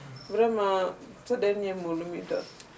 vraiment sa dernier mot lumuy doon